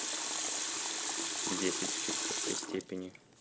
десять в четвертой степени